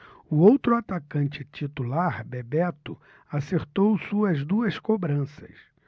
o outro atacante titular bebeto acertou suas duas cobranças